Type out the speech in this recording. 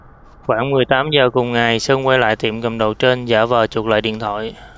khoảng mười tám giờ cùng ngày sơn quay lại tiệm cầm đồ trên giả vờ chuộc lại điện thoại